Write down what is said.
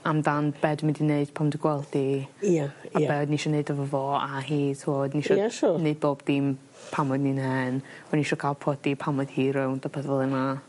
amdan be' dwi mynd i neud pan dwi gweld 'i. Ia ia. A be' o'n i isio neud efo fo a hi t'od isio... Ia siŵr. ...neud bob dim pan o'n i'n hen o'n i isio ca'l prodi pan o'dd hi rownd a pethe fel yna.